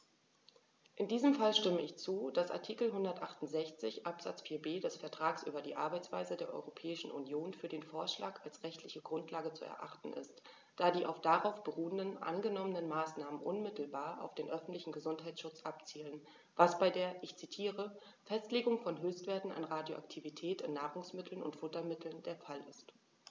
In diesem Fall stimme ich zu, dass Artikel 168 Absatz 4b des Vertrags über die Arbeitsweise der Europäischen Union für den Vorschlag als rechtliche Grundlage zu erachten ist, da die auf darauf beruhenden angenommenen Maßnahmen unmittelbar auf den öffentlichen Gesundheitsschutz abzielen, was bei der - ich zitiere - "Festlegung von Höchstwerten an Radioaktivität in Nahrungsmitteln und Futtermitteln" der Fall ist.